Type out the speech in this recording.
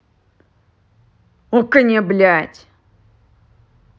okko не блять